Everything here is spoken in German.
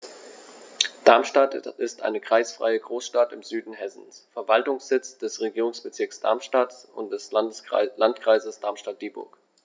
Darmstadt ist eine kreisfreie Großstadt im Süden Hessens, Verwaltungssitz des Regierungsbezirks Darmstadt und des Landkreises Darmstadt-Dieburg.